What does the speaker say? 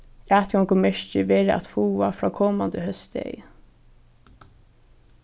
atgongumerkir verða at fáa frá komandi hósdegi